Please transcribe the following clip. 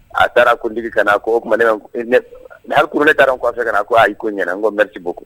A taara kotigi ka na ko tumakuru ne taara n' kɔfɛ fɛ kan ko ayi ko ɲ n ko bɛti bɔ kun